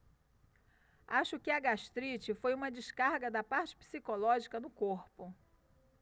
acho que a gastrite foi uma descarga da parte psicológica no corpo